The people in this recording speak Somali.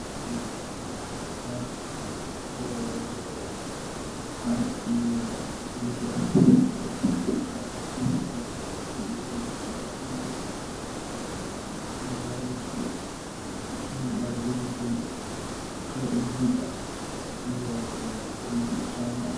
Halkaani waa khudaar oo ah qare iyo cambe ah waxay ku jiraan waa lasoo jarjarey waxay ku jiraan geed caaquli yah Canada lagu shubi inkana waa yar-yar yihiin qare oo gaduud ah iyo cambe oo jaalle ah